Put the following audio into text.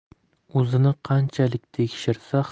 o'zini qanchalik tekshirsa